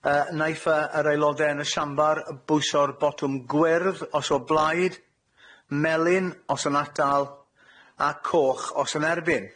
Yy neith yy yr eiloda yn y siambar bwyso'r botwm gwyrdd os o blaid, melyn os yn atal, a coch os yn erbyn.